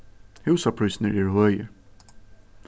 húsaprísirnir eru høgir